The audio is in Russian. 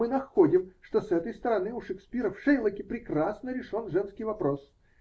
мы находим, что с этой стороны у Шекспира в "Шейлоке" прекрасно решен женский вопрос.